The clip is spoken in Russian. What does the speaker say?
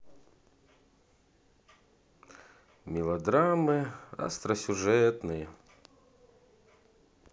мелодрамы остросюжетные